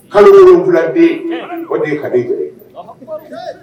Kalo filaden o de ye ka yɛrɛ